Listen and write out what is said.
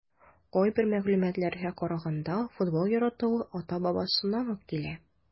Кайбер мәгълүматларга караганда, футбол яратуы ата-бабасыннан ук килә.